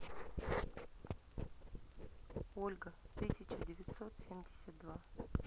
ольга тысяча девятьсот семьдесят два